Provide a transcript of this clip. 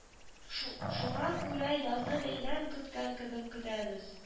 Шуңа күрә язны бәйрәм көткән кебек көтәбез